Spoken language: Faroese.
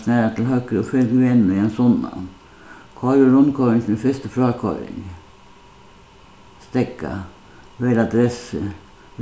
snara til høgru og fylg vegnum í ein sunnan koyr úr rundkoyringini í fyrstu frákoyring steðga vel adressu